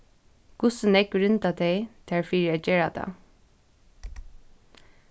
hvussu nógv rinda tey tær fyri at gera tað